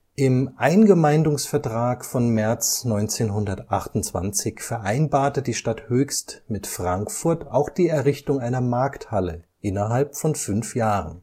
Im Eingemeindungsvertrag von März 1928 vereinbarte die Stadt Höchst mit Frankfurt auch die Errichtung einer Markthalle innerhalb von fünf Jahren